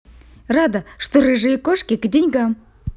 рада что рыжие кошки к деньгам